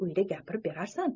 uyda gapirib berarsan